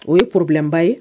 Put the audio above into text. O ye porobibilenba ye